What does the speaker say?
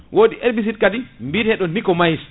wodi herbicide kadi biyeteɗo nicomaïs